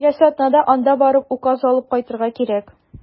Киләсе атнада анда барып, указ алып кайтырга кирәк.